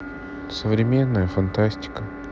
современная фантастика